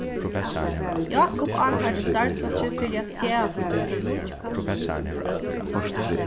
jákup ákærdi starvsfólkið fyri at stjala